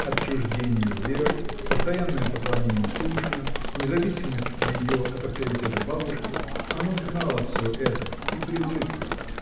Отчуждение Веры, постоянное поклонение Тушина, независимость ее от авторитета бабушки — оно знало всё это и привыкло.